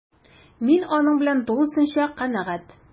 Мин аның белән тулысынча канәгать: